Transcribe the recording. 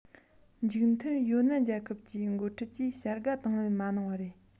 མཇུག མཐར ཡོ ནན རྒྱལ ཁབ ཀྱི འགོ ཁྲིད ཀྱིས བྱ དགའ དང ལེན མ གནང བ རེད